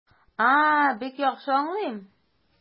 А, бик яхшы аңлыйм.